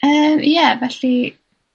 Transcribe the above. Yym, ie. Felly,